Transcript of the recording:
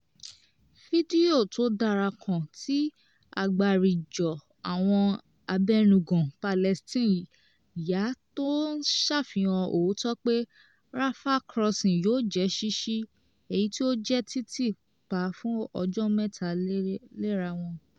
Fídíò tó dára kan tí àgbáríjọ àwọn abẹnugan Palestine yà tó ń ṣàfihàn òótò pé Rafah Crossing yóò jẹ́ ṣíṣí, èyí tí ó jẹ́ títì pa fún ọjọ́ mẹ́ta léra wọn.